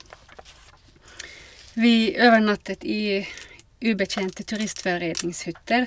Vi overnattet i ubetjente turistforeningshytter.